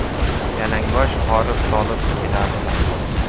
yalangbosh horib tolib kelardilar